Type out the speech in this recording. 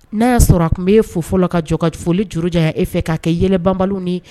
N'a y'a sɔrɔ a kun be e fo fɔlɔ ka jɔ ka t foli juru jaɲa e fɛ ka kɛ yɛlɛbanbaliw ni